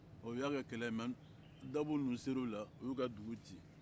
ɔ u y'a kɛ kɛlɛ ye mɛ dabo ninnu sera u la u y'u ka dugu ci